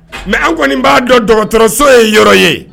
Mais an kɔni b'a dɔn dɔgɔtɔrɔso ye yɔrɔ ye